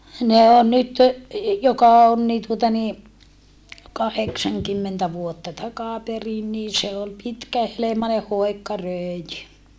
ne on nyt joka on niin tuota niin kahdeksankymmentä vuotta takaperin niin se oli pitkähelmainen hoikka röijy